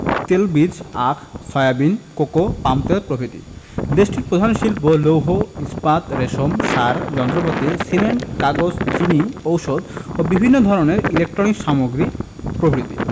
তেলবীজ আখ soybean cocoa পামতেল প্রভৃতি দেশটির প্রধান শিল্প লৌহ ইস্পাত রেশম সার যন্ত্রপাতি সিমেন্ট কাগজ চিনি ঔষধ ও বিভিন্ন ধরনের ইলেকট্রনিক্স সামগ্রী প্রভ্রিতি